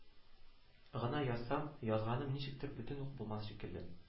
Гына язсам, язганым ничектер бөтен үк булмас шикелле